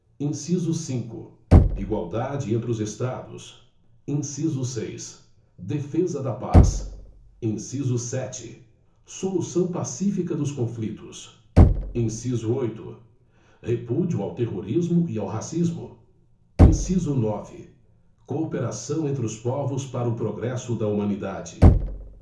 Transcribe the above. inciso cinco igualdade entre os estados inciso seis defesa da paz inciso sete solução pacífica dos conflitos inciso oito repúdio ao terrorismo e ao racismo inciso nove cooperação entre os povos para o progresso da humanidade